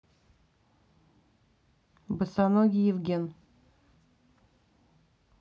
босоногий евген